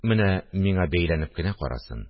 Менә миңа бәйләнеп кенә карасын